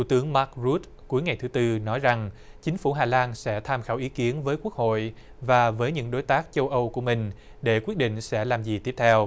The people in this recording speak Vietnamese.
thủ tướng mác rút cuối ngày thứ tư nói rằng chính phủ hà lan sẽ tham khảo ý kiến với quốc hội và với những đối tác châu âu của mình để quyết định sẽ làm gì tiếp theo